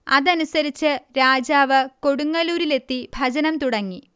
അതനുസരിച്ച് രാജാവ് കൊടുങ്ങല്ലൂരിലെത്തി ഭജനം തുടങ്ങി